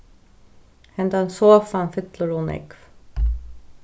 henda sofan fyllir ov nógv